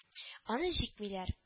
Аны җикмиләр